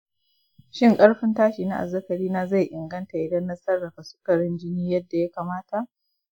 shin ƙarfin tashi na azzakari na zai inganta idan na sarrafa sukarin jini yadda ya kamata?